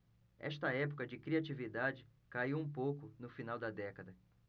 esta época de criatividade caiu um pouco no final da década